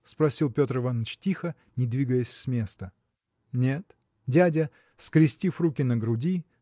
– спросил Петр Иваныч тихо, не двигаясь с места. – Нет. Дядя скрестив руки на груди